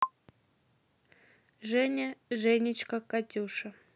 женя женечка катюша